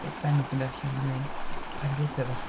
Neith Ben i'm ffeindio allan mae'n iawn, paid â deutha fo.